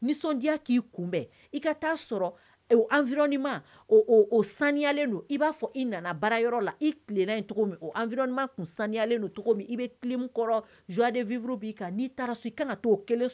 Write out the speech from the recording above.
Nisɔndiyaya k'i kunbɛn i ka t' sɔrɔfir o sanyalen don i b'a fɔ i nana bara yɔrɔ la i tilenla cogo minfrima tun saniyalen don cogo min i bɛ tile kɔrɔowadenfuru'i kan n'i taara so i kan ka to o kelen so